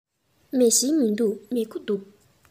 མེ ཤིང མི འདུག མེ ཕུ འདུག